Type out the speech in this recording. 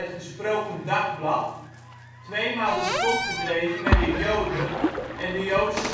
Gesproken Dagblad " tweemaal de spot gedreven met de Joden en de Joodse